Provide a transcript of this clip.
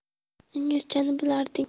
inglizchani bilarding